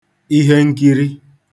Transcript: ihenkiri